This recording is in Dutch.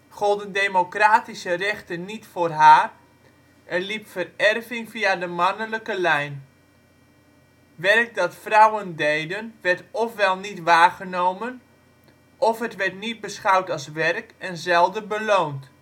golden democratische rechten niet voor haar en liep vererving via de mannelijke lijn. Werk dat vrouwen deden werd ofwel niet waargenomen, of het werd niet beschouwd als werk en zelden beloond